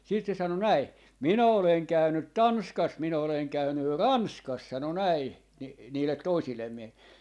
sitten se sanoi näin minä olen käynyt Tanskassa minä olen käynyt Ranskassa sanoi näin - niille toisille miehille